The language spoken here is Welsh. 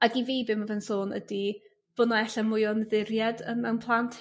ag i fi be' ma' fe'n sôn ydi bo' 'ne elle mwy o ymddiried yn mewn plant